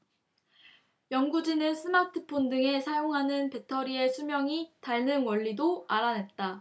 연구진은 스마트폰 등에 사용하는 배터리의 수명이 닳는 원리도 알아냈다